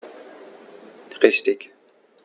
Richtig